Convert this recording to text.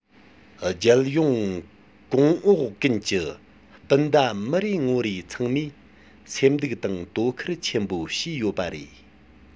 རྒྱལ ཡོངས གོང འོག ཀུན གྱི སྤུན ཟླ མི རེ ངོ རེ ཚང མས སེམས སྡུག དང དོ ཁུར ཆེན པོ བྱས ཡོད པ རེད